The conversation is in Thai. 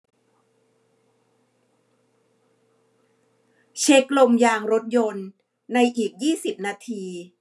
เช็คลมยางรถยนต์ในอีกยี่สิบนาที